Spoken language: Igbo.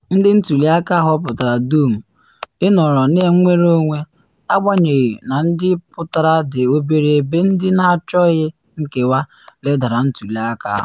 Ndị ntuli aka họpụtara dum ịnọrọ na nnwere onwe, agbanyeghị na ndị pụtara dị obere ebe ndị na achọghị nkewa ledara ntuli aka ahụ.